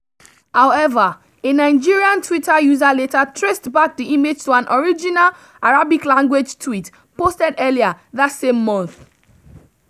However, a Nigerian Twitter user later traced back the image to an original Arabic-language tweet posted earlier that same month.